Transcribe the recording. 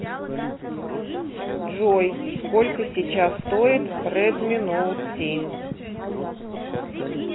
джой сколько сейчас стоит редми ноут семь